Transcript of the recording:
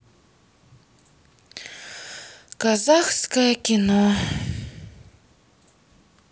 казахское кино